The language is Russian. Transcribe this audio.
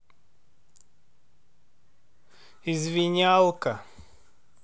извинялка